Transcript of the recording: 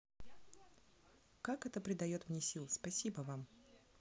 как это придает мне сил спасибо вам